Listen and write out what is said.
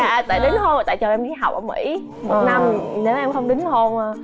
dạ tại đính hôn là tại chồng em đi học ở mĩ một năm nếu em không đính hôn ơ